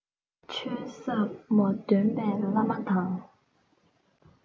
ཆོས ཟབ མོ སྟོན པའི བླ མ དང